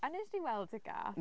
A wnes di weld y gath?